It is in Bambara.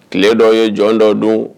Tile dɔw ye jɔn dɔ don